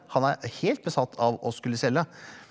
han er helt besatt av å skulle selge.